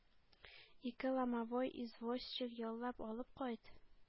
Ике ломовой извозчик яллап алып кайт!